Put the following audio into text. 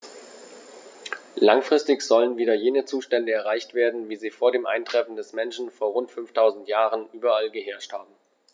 Langfristig sollen wieder jene Zustände erreicht werden, wie sie vor dem Eintreffen des Menschen vor rund 5000 Jahren überall geherrscht haben.